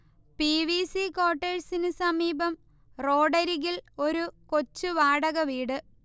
P. V. C. ക്വാർട്ടേഴ്സിന് സമീപം റോഡരികിൽ ഒരു കൊച്ചുവാടകവീട്